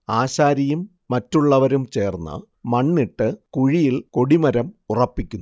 ആശാരിയും മറ്റുള്ളവരും ചേർന്ന് മണ്ണിട്ട് കുഴിയിൽ കൊടിമരം ഉറപ്പിക്കുന്നു